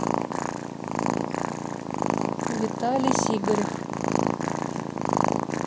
виталий сигарев